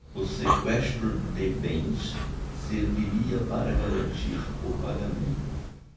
o sequestro de bens serviria para garantir o pagamento